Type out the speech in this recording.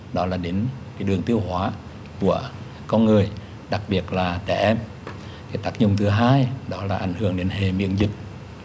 đó là đến đường tiêu hóa của con người đặc biệt là trẻ em thì tác dụng thứ hai đó là ảnh hưởng đến hệ miễn dịch